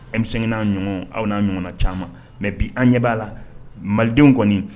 Emi n'a ɲɔgɔn aw n'a ɲɔgɔn na caman mɛ bi an ɲɛ b'a la malidenw kɔni